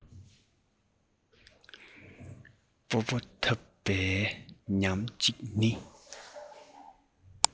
པོ སྤོ ཐབས ཉག གཅིག ནི